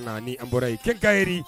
Numa na ni an bɔra yen Quincaillerie